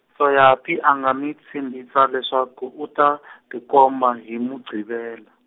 Soyaphi a nga mi tshembisa leswaku u ta , tikomba hi Muqhivela.